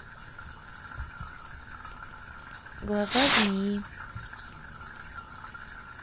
глаза змеи